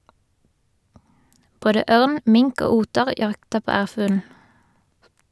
Både ørn, mink og oter jakter på ærfuglen.